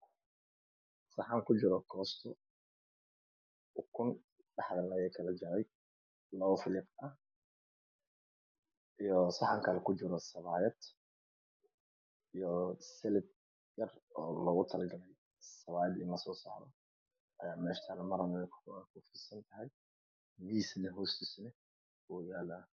Waa saxan kujiro koosto dhexda ukun laga galiyay labo faliiq ah iyo saxan kale oo kujiro sawaayad iyo salad yar oo sawaayada lasaaro oo maro kudadan tahay miis hoostiisa ayuu yaala.